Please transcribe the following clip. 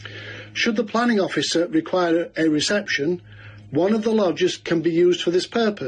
Should the planning officer require a reception, one of the lodges can be used for this purpose.